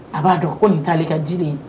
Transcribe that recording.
A b'a dɔn ko nin taa ale ka di ye